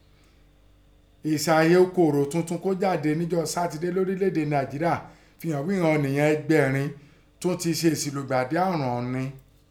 Èsì àyẹ̀ò Kòró tuntun kọ́ jáde níjọ́ sátidé lọ́rílẹ̀ èdè Naìjeríà fi han ghi ọ̀nìyàn egbèrin tún ṣẹ̀ṣẹ̀ lùgbàdì ààrùn ọ̀ún ni.